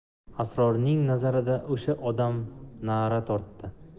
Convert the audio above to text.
asrornig nazarida usha odam na'ra tortdi